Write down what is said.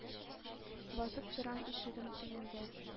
Басып торам ишегем төбендә.